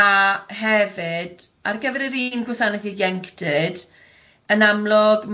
A hefyd ar gyfer yr un gwasaneth ieuenctid, yn amlwg ma' nhw